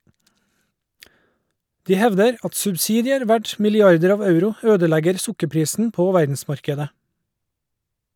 De hevder at subsidier verdt milliarder av euro ødelegger sukkerprisen på verdensmarkedet.